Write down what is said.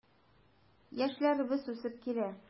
Яшьләребез үсеп килә.